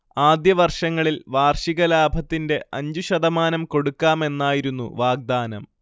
ആദ്യവർഷങ്ങളിൽ വാർഷിക ലാഭത്തിന്റെ അഞ്ചു ശതമാനം കൊടുക്കാമെന്നായിരുന്നു വാഗ്ദാനം